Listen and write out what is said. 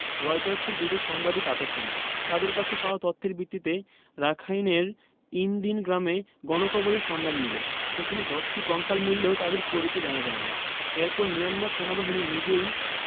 রয়টার্সের দুজন সাংবাদিক আটক হন তাঁদের কাছে পাওয়া তথ্যের ভিত্তিতে রাখাইনের ইন দিন গ্রামে গণকবরের সন্ধান মেলে সেখানে ১০টি কঙ্কাল মিললেও তাদের পরিচয় জানা যায়নি এরপর মিয়ানমার সেনাবাহিনী নিজেই